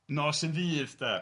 nos yn ddydd de?